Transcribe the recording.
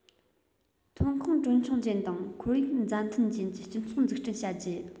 ཐོན ཁུངས གྲོན ཆུང ཅན དང ཁོར ཡུག མཛའ མཐུན ཅན གྱི སྤྱི ཚོགས འཛུགས སྐྲུན བྱ རྒྱུ